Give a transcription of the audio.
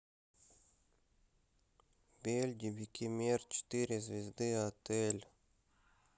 бельдиби кемер четыре звезды отель